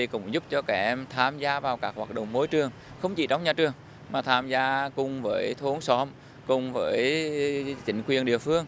thì cũng giúp cho trẻ em tham gia vào các hoạt động môi trường không chỉ trong nhà trường và tham gia cùng với thôn xóm cùng với chính quyền địa phương